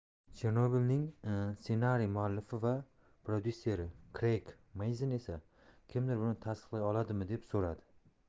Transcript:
chernobil ning ssenariy muallifi va prodyuseri kreyg meyzin esa kimdir buni tasdiqlay oladimi deb so'radi